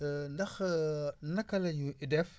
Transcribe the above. ndax naka la ñuy def